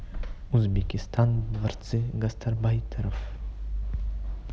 узбекистан дворцы гастарбайтеров